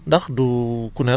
mais même tànn bi